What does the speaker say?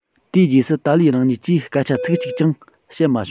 དེའི རྗེས སུ ཏཱ ལའི རང ཉིད ཀྱིས སྐད ཆ ཚིག གཅིག ཀྱང བཤད མ བྱུང